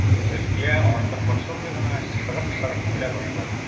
Зөлфия, артык борчылмый гына, шырык-шырык көлә башлады.